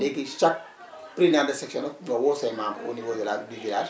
léegi chaque président de section nga woo say membres au niveau de la du village